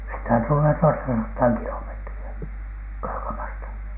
sitä tulee toistasataa kilometriä Kaakamasta